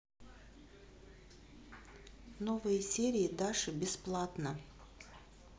новые серии даши бесплатно